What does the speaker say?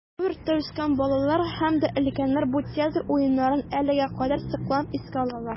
Бу йортта үскән балалар һәм дә өлкәннәр бу театр уеннарын әлегә кадәр сокланып искә алалар.